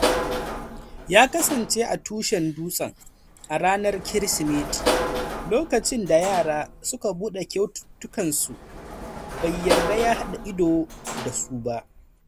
Ya kasance a tushen dutsen a ranar Kirsimeti - lokacin da yara suka bude kyaututtukan su bai yarda ya hada ido da su ba,”